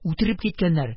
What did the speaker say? Үтереп киткәннәр.